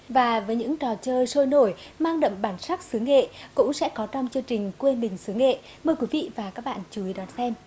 và với những trò chơi sôi nổi mang đậm bản sắc xứ nghệ cũng sẽ có trong chương trình quê mình xứ nghệ mời quý vị và các bạn chú ý đón xem